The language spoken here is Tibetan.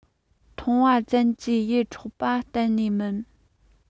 མཐོང བ ཙམ གྱིས ཡིད འཕྲོག པ གཏན ནས མིན